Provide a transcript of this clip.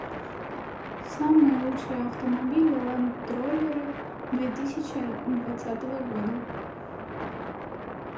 самые лучшие автомобили land троллеры две тысячи двадцатого года